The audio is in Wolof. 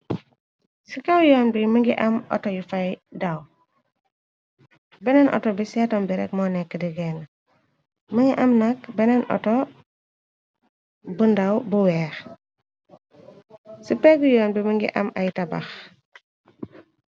Si kaw yon bi mingi am ayy auto yu fay daw. Beneen auto bi setom bi rek moo nekk digeen. Wbueci pegg yoon bi mi ngi am ay tabax.